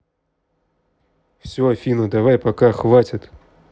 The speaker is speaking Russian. все афина давай пока хватит